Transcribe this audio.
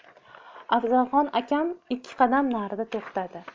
afzalxon akam ikki qadam narida to'xtadi